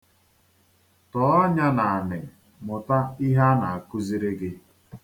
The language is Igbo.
Tọọ anya n'ala mụta ihe a na-akụziri gị.